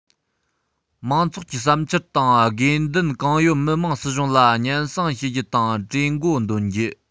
མང ཚོགས ཀྱི བསམ འཆར དང དགོས འདུན གང ཡོད མི དམངས སྲིད གཞུང ལ སྙན སེང ཞུ རྒྱུ དང གྲོས འགོ འདོན རྒྱུ